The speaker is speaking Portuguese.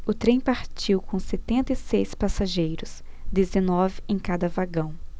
o trem partiu com setenta e seis passageiros dezenove em cada vagão